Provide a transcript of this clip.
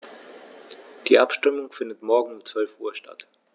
Die Abstimmung findet morgen um 12.00 Uhr statt.